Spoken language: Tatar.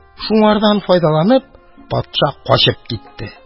Шуңардан файдаланып, патша качып китте.